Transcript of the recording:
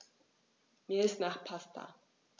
Mir ist nach Pasta.